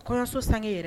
Kɔɲɔso sanke yɛrɛ